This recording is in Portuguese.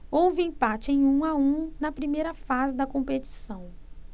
houve empate em um a um na primeira fase da competição